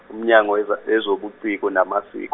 uMnyango weza- wezoBuciko naMasiko.